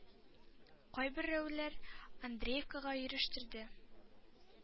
Кайберәүләр Андреевкага йөрештерде.